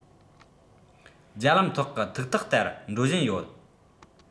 རྒྱ ལམ ཐོག གི ཐིག རྟགས ལྟར འགྲོ བཞིན ཡོད